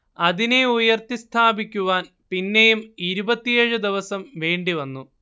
അതിനെ ഉയർത്തി സ്ഥാപിക്കുവാൻ പിന്നെയും ഇരുപത്തിയേഴ് ദിവസം വേണ്ടിവന്നു